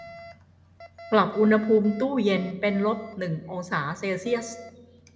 ปรับอุณหภูมิตู้เย็นเป็นลบหนึ่งองศาเซลเซียส